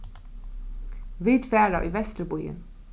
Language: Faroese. vit fara í vesturbýin